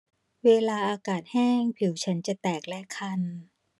เวลาอากาศแห้งผิวฉันจะแตกและคัน